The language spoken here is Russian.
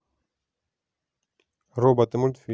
роботы мультфильм